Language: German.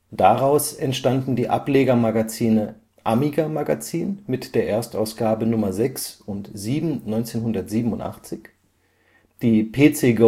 Daraus entstanden die Ablegermagazine Amiga-Magazin (Erstausgabe Nr. 6 und 7/1987), die PCgo